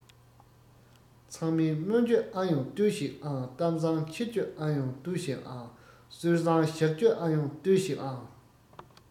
ཚང མས སྨོན རྒྱུ ཨ ཡོང ལྟོས ཤིག ཨང གཏམ བཟང འཁྱེར རྒྱུ ཨ ཡོང ལྟོས ཤིག ཨང སྲོལ བཟང གཞག རྒྱུ ཨ ཡོང ལྟོས ཤིག ཨང